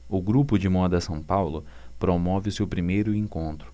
o grupo de moda são paulo promove o seu primeiro encontro